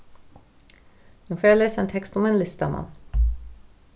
nú fari eg at lesa ein tekst um ein listamann